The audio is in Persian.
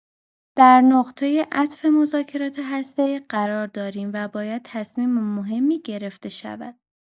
در نقطه عطف مذاکرات هسته‌ای قرار داریم و باید تصمیم مهمی گرفته شود.